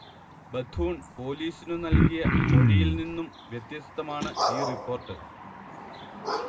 Bethune പോലീസിനു നൽകിയ മൊഴിയിൽ നിന്നും വ്യത്യസ്തമാണ് ഈ റിപ്പോർട്ട്